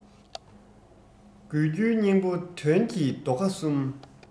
དགོས རྒྱུའི སྙིང པོ དོན གྱི རྡོ ཁ གསུམ